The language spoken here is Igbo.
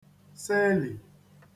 selì